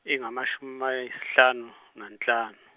ingamashumi ayisihlanu nanhlanu.